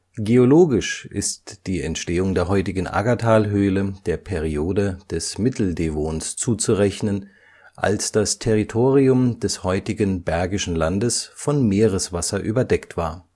Geologisch ist die Entstehung der heutigen Aggertalhöhle der Periode des Mitteldevons zuzurechnen, als das Territorium des heutigen Bergischen Landes von Meereswasser überdeckt war